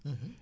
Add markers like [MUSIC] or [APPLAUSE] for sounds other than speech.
[HESITATION] [HESITATION]